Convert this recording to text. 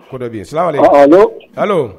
Kobi sira